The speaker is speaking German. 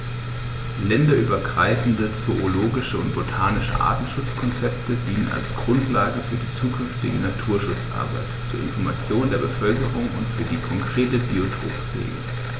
Länderübergreifende zoologische und botanische Artenschutzkonzepte dienen als Grundlage für die zukünftige Naturschutzarbeit, zur Information der Bevölkerung und für die konkrete Biotoppflege.